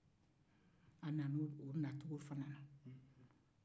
a nana o nacogo fana na